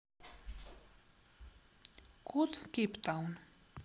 код кейптаун